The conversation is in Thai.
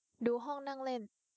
ดูห้องนั่งเล่น